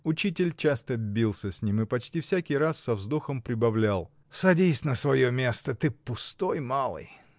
Учитель часто бился с ним и почти всякий раз со вздохом прибавлял: — Садись на свое место, ты пустой малый!